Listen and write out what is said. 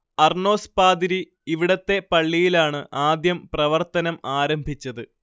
Arnos പാതിരി ഇവിടത്തെ പള്ളിയിലാണ് ആദ്യം പ്രവർത്തനം ആരംഭിച്ചത്